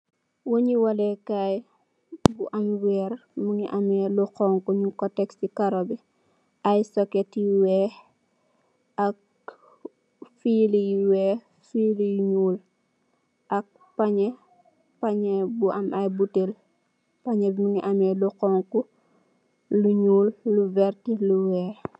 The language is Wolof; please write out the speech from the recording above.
wañi waleh kai, amm werr bu khonkhu nyunko teksii sii karobii, ak socket you wekh ak filii wehk, filii nyoul , ak penyeh bu amm aii butel you wehk, wertii, nyoul ak khonkhu.